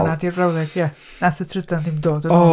Honna 'di'r frawddeg, ia, wnaeth y trydan ddim dod yn ôl.